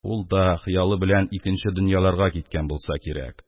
Ул дахыялы белән икенче дөньяларга киткән булса кирәк.